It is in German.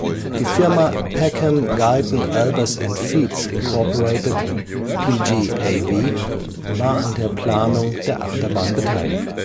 Die Firma Peckham Guyton Albers & Viets Inc (PGAV) war an der Planung der Achterbahn beteiligt